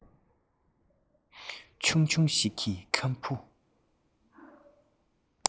ཆུང ཆུང ཞིག གིས ཁམ བུ